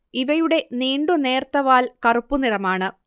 ഇവയുടെ നീണ്ടു നേർത്ത വാൽ കറുപ്പു നിറമാണ്